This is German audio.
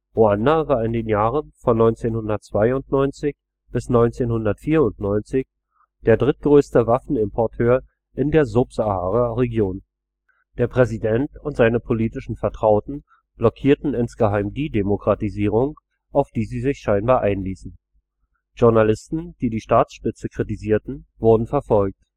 Ruanda war in den Jahren von 1992 bis 1994 der drittgrößte Waffenimporteur der Subsahara-Region. Der Präsident und seine politischen Vertrauten blockierten insgeheim die Demokratisierung, auf die sie sich scheinbar einließen. Journalisten, die die Staatsspitze kritisierten, wurden verfolgt